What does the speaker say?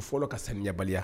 U fɔlɔ ka sanɲabaliya